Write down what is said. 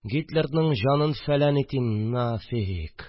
Гитлерның җанын фәлән итим... На фиг